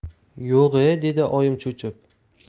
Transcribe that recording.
yo'g' e dedi oyim cho'chib